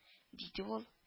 —диде ул